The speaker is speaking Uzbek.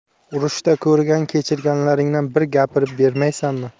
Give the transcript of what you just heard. urushda ko'rgan kechirganlaringdan bir gapirib bermaysanmi